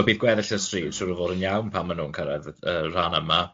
So bydd gweddill y stryd siŵr o fod yn iawn pan maen nw'n cyrraedd yy y rhan yma.